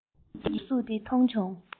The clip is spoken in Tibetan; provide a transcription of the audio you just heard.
རང ཉིད ཀྱི རྒྱབ གཟུགས དེ མཐོང བྱུང